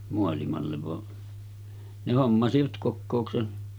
maailmalle vaan ne hommasivat kokouksen